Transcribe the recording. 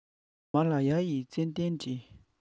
མ ལ ཡ ཡི ཙན དན དྲི